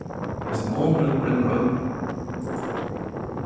hesin ovnurin brennir olju